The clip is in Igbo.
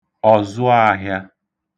ọ̀zụāhị̄ā